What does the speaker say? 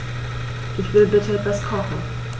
Ich will bitte etwas kochen.